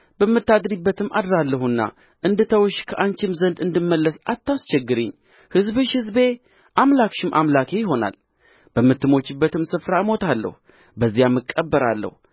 በምታድሪበትም አድራለሁና እንድተውሽ ከአንቺም ዘንድ እንድመለስ አታስቸግሪኝ ሕዝብሽ ሕዝቤ አምላክሽም አምላኬ ይሆናል በምትሞችበትም ስፍራ እሞታለሁ በዚያም እቀበራለሁ